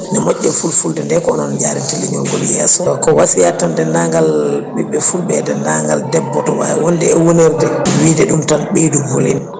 ne moƴƴe fulfulde nde ko jara tigui min goni yesso ko wasiyade tan dendagal ɓiɓe fulɓe dendagal debbo to wawi wonde e wonirde wiide ɗum tan ɓeydu volume